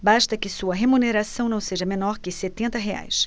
basta que sua remuneração não seja menor que setenta reais